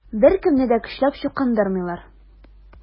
Беркемне дә көчләп чукындырмыйлар.